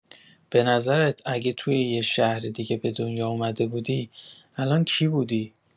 به نظرت اگه توی یه شهر دیگه به دنیا اومده بودی، الان کی بودی؟